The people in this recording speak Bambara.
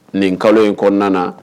Nin kalo in kɔnɔna na